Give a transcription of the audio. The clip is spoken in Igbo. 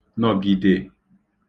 nọ̀gìdè